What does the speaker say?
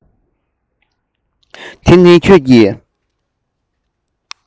འདི ནི ཁྱོད ཀྱིས